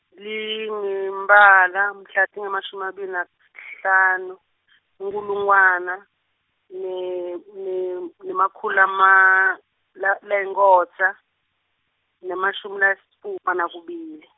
lingeMphala, mhla tingemashumi lamabili nesihlanu, inkhulungwane, ne- nem- nemakhulu lama, la- layinkhotsa, nemashumi lasitfupha nakubili.